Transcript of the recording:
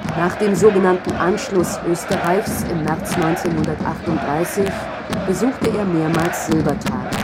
Nach dem sogenannten Anschluss Österreichs im März 1938 besuchte er mehrmals Silbertal